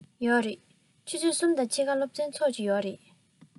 ཡོད རེད ཆུ ཚོད གསུམ དང ཕྱེད ཀར སློབ ཚན ཚུགས ཀྱི རེད